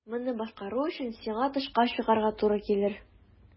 Моны башкару өчен сиңа тышка чыгарга туры килер.